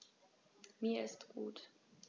Mir ist gut.